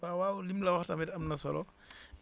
waawaaw li mu la wax tamit am na solo